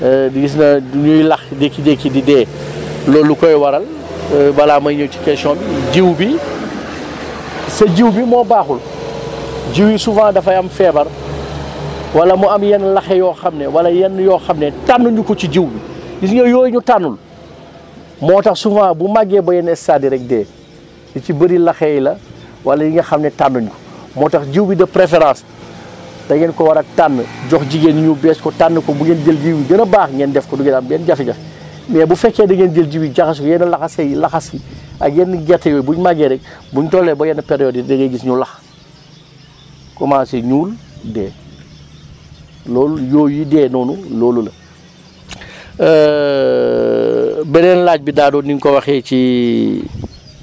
gis na da ñuy lax jékki-jékki di dee loolu lu koy waral balaa may ñëw ci question bi jiw bi sa jiw bi moo baaxul jiw yi souvent dafay am feebar wala mu am yenn laxe yoo xam ne wala yenn yoo xam ne tànnu ñu ko ci jiw bi gis nga yooyu ñu tànnul moo tax souvent bu màggee ba yenn stades yi rek dee yu ci bëri laxe yi la wala yi nga xam ne tànnuñ ko moo tax jiw bi de préférence da ngeen ko war a tànn jox jigéen ñi ñu bees ko tànn ko ba ngeen jël jiw bi gën a baax ngeen def ko du ngeen am benn jafe-jafe mais bu fekkee da ngeen jël jiw yi jaxase yenn laxase yi laxas yi ak yenn gerte yooyu bu ñu màggee rek bu ñu tollee ba yenn période yi da ngay gis ñu lax commencé ñuul dee loolu yooyu dee noonu loolu la beneen laaj bi Dado ni nga ko waxee ci